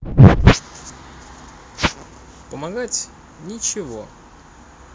помогать ничего